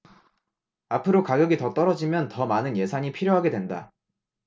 앞으로 가격이 더 떨어지면 더 많은 예산이 필요하게 된다